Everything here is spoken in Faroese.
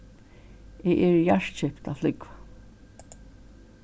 eg eri hjartkipt at flúgva